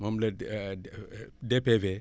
moom la DPV